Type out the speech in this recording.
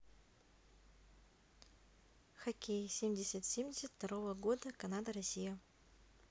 хоккей семьдесят семьдесят второго года канада россия